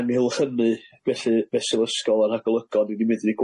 ynghylch hynny felly fesul ysgol a'r rhagolygon i ni medru